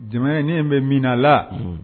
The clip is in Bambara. Jamana in ne ɲɛ bɛ min na a la